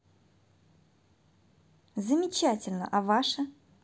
замечательно а ваше